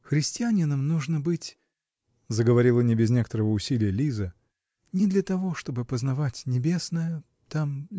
-- Христианином нужно быть, -- заговорила не без некоторого усилия Лиза, -- не для того, чтобы познавать небесное. там.